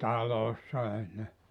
talossa ei ne